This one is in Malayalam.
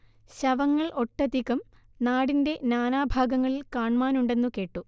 ശവങ്ങൾ ഒട്ടധികം നാടിന്റെ നാനാഭാഗങ്ങളിലും കാൺമാനുണ്ടെന്നു കേട്ടു